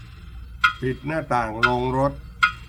ปิดหน้าต่างโรงรถ